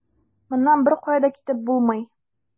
Моннан беркая да китеп булмый.